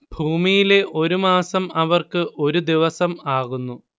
ഭൂമിയിലെ ഒരു മാസം അവർക്ക് ഒരു ദിവസം ആകുന്നു